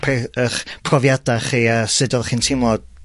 pyr- 'ych profiada chi a sut o'ch chi'n teimlo,